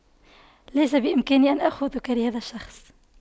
ليس بإمكاني أن اخذك لهذا الشخص